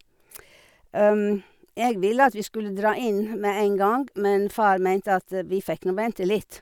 Jeg ville at vi skulle dra inn med en gang, men far meinte at vi fikk nå vente litt.